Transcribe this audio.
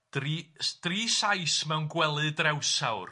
'Dri- Drisais mewn gwely drewsawr'.